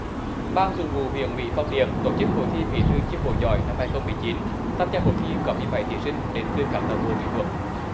ban thường vụ huyện ủy phong điền tổ chức hội thi bí thư chi bộ giỏi năm hai không mười chín tham gia cuộc thi có mười bảy thí sinh đến từ các đảng bộ trực thuộc